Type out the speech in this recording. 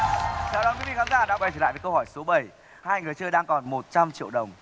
đón quý vị khán giả đã quay trở lại với câu hỏi số bảy hai người chơi đang còn một trăm triệu đồng